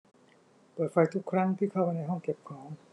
เปิดไฟทุกครั้งที่เข้าไปในห้องเก็บของ